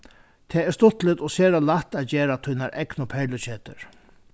tað er stuttligt og sera lætt at gera tínar egnu perluketur